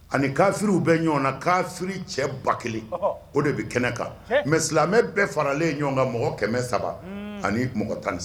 Ani kafiriw bɛ ɲɔgɔn na kaffi cɛ ba kelen o de bɛ kɛnɛ kan mɛ silamɛmɛ bɛɛ faralen ye ɲɔgɔn kan mɔgɔ kɛmɛ saba ani mɔgɔ tanani